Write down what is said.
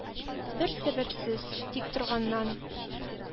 Бер сәбәпсез, тик торганнан.